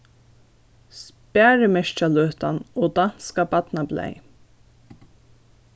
sparimerkjaløtan og danska barnablaðið